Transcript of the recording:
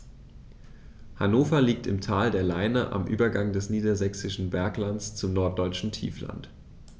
Hannover liegt im Tal der Leine am Übergang des Niedersächsischen Berglands zum Norddeutschen Tiefland.